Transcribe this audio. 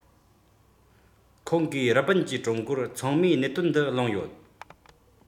ཁོང གིས རི པིན གྱིས ཀྲུང གོར ཚང མས གནད དོན འདི གླེང ཡོད